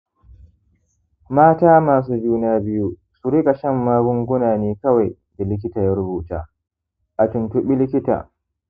mata masu juna biyu su rika shan magunguna ne kawai da likita ya rubuta, a tuntubi likita